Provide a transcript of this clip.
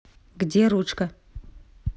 где ручка